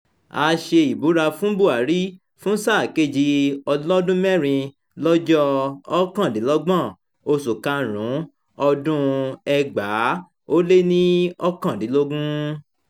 A ṣe ìbúra fún Buhari fún sáà kejì ọlọ́dún mẹ́rin lọ́jọ́ 29, oṣù karùn-ún, 2019.